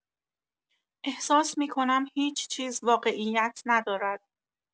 احساس می‌کنم هیچ‌چیز واقعیت ندارد.